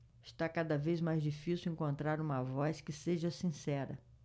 está cada vez mais difícil encontrar uma voz que seja sincera